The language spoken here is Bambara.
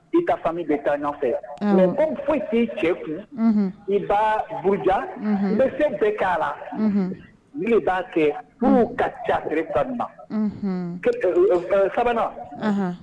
I ka famille bɛ taa ɲɔgɔn fɛ, mais comme foyi tɛ cɛ kun, unhun, i b'a buruja, uhnhun, i bɛ fɛn bɛ k'a la, unhun, mun de b'a kɛ? Furu ka ca, unhun, au point 3 nan